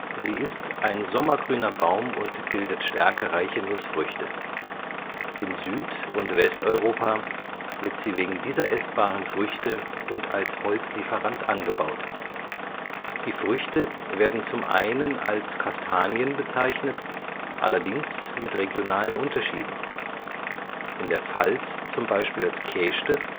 Sie ist ein sommergrüner Baum und bildet stärkereiche Nussfrüchte. In Süd - und Westeuropa wird sie wegen dieser essbaren Früchte und als Holzlieferant angebaut. Die Früchte werden zum einen als Kastanien bezeichnet, allerdings mit regionalen Unterschieden, in der Pfalz zum Beispiel als Keschde